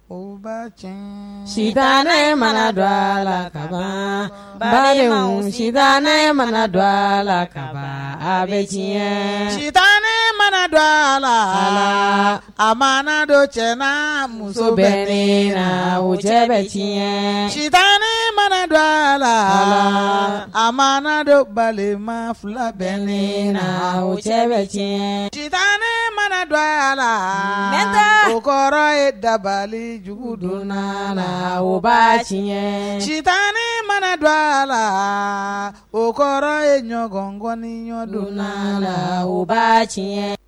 O ba c sita ne mana don dɔ a la ka ba sita ne mana dɔ a la ka bɛ jiginɲɛ sita ne mana dɔ a la a ma dɔ cɛ muso bɛ la wo cɛ bɛ tiɲɛɲɛ sita ne mana dɔ a la a ma dɔbalima fila bɛ le na cɛ bɛ tiɲɛ ci ne mana don a la n o kɔrɔ ye dabalijugu don la ba tiɲɛ sita ne mana don a la o kɔrɔ ye ɲɔgɔnkɔni ɲɔgɔndon la ba tiɲɛ